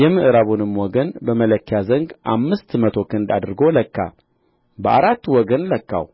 የምዕራቡንም ወገን በመለኪያ ዘንግ አምስት መቶ ክንድ አድርጎ ለካ በአራቱ ወገን ለካው